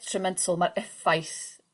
trw mental ma'r effaith